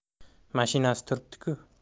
mashinasi turibdi ku